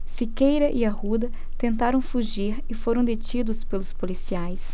siqueira e arruda tentaram fugir e foram detidos pelos policiais